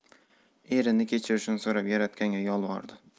erini kechirishini so'rab yaratganga yolbordi